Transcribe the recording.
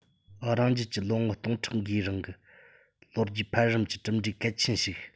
རང རྒྱལ གྱི ལོ སྟོང ཕྲག འགའི རིང གི ལོ རྒྱུས འཕེལ རིམ གྱི གྲུབ འབྲས གལ ཆེན ཞིག